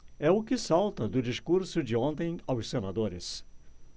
é o que salta do discurso de ontem aos senadores